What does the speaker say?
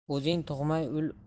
o'zing tug'may ul o'g'il